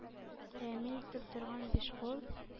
Тәэмин итеп торган биш күл)